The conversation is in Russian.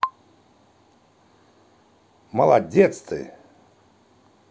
молодец ты